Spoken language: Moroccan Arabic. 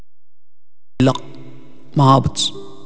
لقط رابط